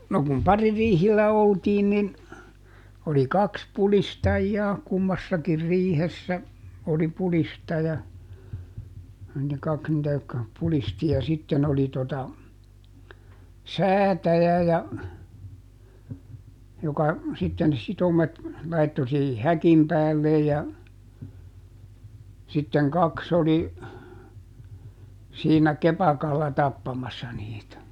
no kun paririihillä oltiin niin oli kaksi pudistajaa kummassakin riihessä oli pudistaja oli kaksi niitä jotka pudisti ja sitten oli tuota säätäjä ja joka sitten sitomet laittoi siihen häkin päälle ja sitten kaksi oli siinä kepakolla tappamassa niitä